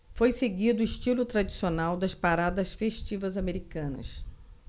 foi seguido o estilo tradicional das paradas festivas americanas